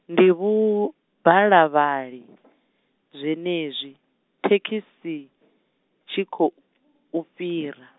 ndi Vho Balavhali , zwenezwi, thekhisi, tshi khou fhira.